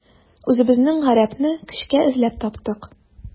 Үзебезнең гарәпне көчкә эзләп таптык.